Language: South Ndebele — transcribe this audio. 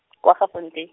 Kwaggafontein.